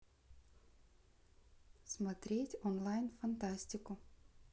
смотреть онлайн фантастику